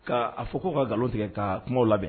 ' a fɔ k' ka nkalon tigɛ ka kuma labɛn